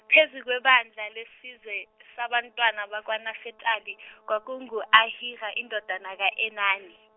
phezu kwebandla lesizwe, sabantwana bakwaNafetali kwakungu-Ahira indodana ka-Enani.